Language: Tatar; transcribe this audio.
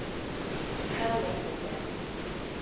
Һәммәсен дә.